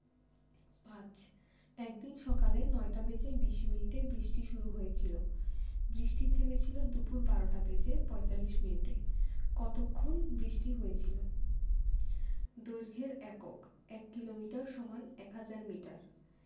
৫ একদিন সকালে ৯টা বেজে ২০ মিনিটে বৃষ্টি শুরু হয়েছিল বৃষ্টি থেমেছিল দুপুর ১২টা বেজে ৪৫ মিনিটে কতক্ষণ বৃষ্টি হয়েছিল দৈর্ঘ্যের এককঃ ১ কিলোমিটার = ১০০০ মিটার